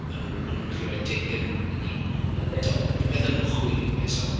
Maen nhw, maen nhw'n gallu rhoi tic yn yn eu... ie. ...timod rywbeth ymchwil yw e so...